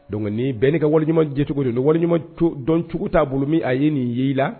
Donc _ ni bɛɛ n'i ka walimaɲuman dɔcogo don ni walima dɔncogo t'a bolo min a ye nin ye i la